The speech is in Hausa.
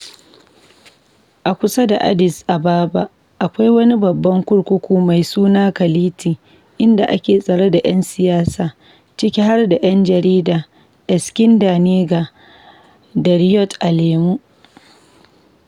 A kusa da Addis Ababa, akwai wani babban kurkuku mai suna Kality inda ake tsare da yan siyasa, ciki har da yan jarida Eskinder Nega da Reeyot Alemu.